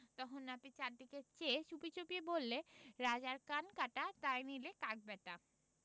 তখন নাপিত চারিদিকে চেয়ে চুপিচুপি বললে রাজার কান কাটা তাই নিলে কাক ব্যাটা